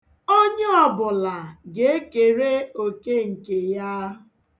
Onye ọbụla ga-ekere oke nke ya.